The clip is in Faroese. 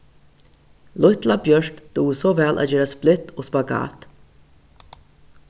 lítla bjørt dugir so væl at gera splitt og spagat